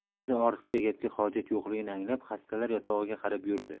endi ortiqcha gapga hojat yo'qligini anglab xastalar yotog'iga qarab yurdi